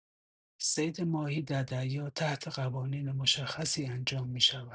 صید ماهی در دریا تحت قوانین مشخصی انجام می‌شود.